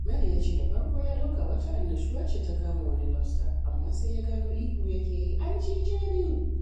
Hammel ya ce da farko ya ɗauka wata annishuwa ce ta kama wani lobster, amma sai ya “gano cewa ihu yake yi, ‘An cije ni!